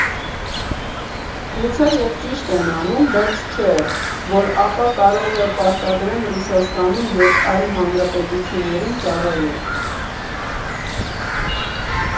Գուցե և ճիշտ են անում, բայց չէ՞ որ ապա կարող է պարտադրեն Ռուսաստանում և այլ հանրապետություններում ծառայել։